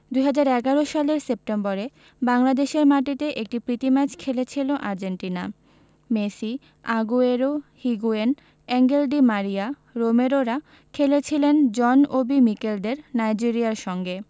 ২০১১ সালের সেপ্টেম্বরে বাংলাদেশের মাটিতে একটি প্রীতি ম্যাচ খেলেছিল Argentina Messi Aguero Higuain Angel Di Maria রোমেরোরা খেলেছিলেন জন ওবি মিকেলদের নাইজেরিয়ার সঙ্গে